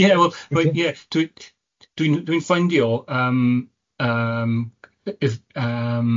Ie wel dwi'n dwi'n dwi'n ffaindio yym yym yym